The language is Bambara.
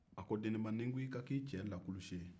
a ko deniba ni n ko i ka k'i cɛ lakulusi ye